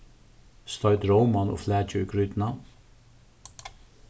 stoyt róman og flakið í grýtuna